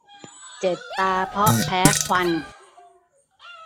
เจ็บตาเพราะแพ้ควัน